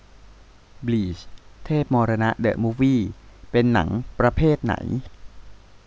บลีชเทพมรณะเดอะมูฟวี่เป็นหนังประเภทไหน